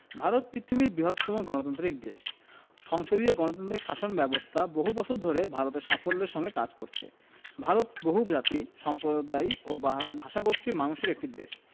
ভারত পৃথিবীর বৃহত্তম গণতান্ত্রিক দেশ সংসদীয় গণতান্ত্রিক শাসন ব্যাবস্থা বহু বছর ধরে ভারতে সাফল্যের সঙ্গে কাজ করছে ভারত বহুজাতি সম্প্রদায় ও ভাষাগোষ্ঠীর মানুষের একটি দেশ